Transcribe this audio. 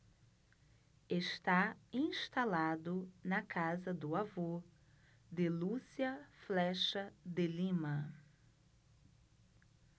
está instalado na casa do avô de lúcia flexa de lima